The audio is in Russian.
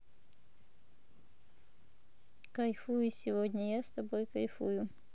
кайфую сегодня я с тобой кайфую